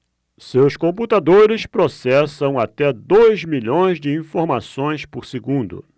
seus computadores processam até dois milhões de informações por segundo